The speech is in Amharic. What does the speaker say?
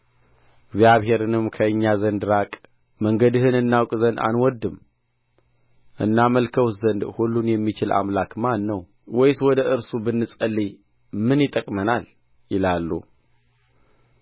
እግዚአብሔርንም ከእኛ ዘንድ ራቅ መንገድህን እናውቅ ዘንድ አንወድድም እናመልከውስ ዘንድ ሁሉን የሚችል አምላክ ማን ነው ወይስ ወደ እርሱ ብንጸልይ ምን ይጠቅመናል ይላሉ